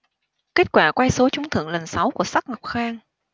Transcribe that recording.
kết quả quay số trúng thưởng lần sáu của sắc ngọc khang